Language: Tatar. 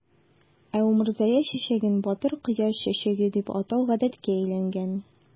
Ә умырзая чәчәген "батыр кояш чәчәге" дип атау гадәткә әйләнгән.